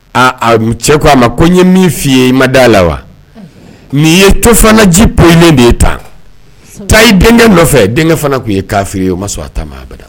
A ab cɛ ko a ma ko ɲe min f'i ye i ma d'a la wa unhun ni ye tofana ji poyilen de ye tan taa i deŋɛ nɔfɛ deŋɛ fana kun ye kaafiri ye o ma sɔn a ta ma abada